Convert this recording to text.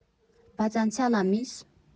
Բայց անցյալ ամիս…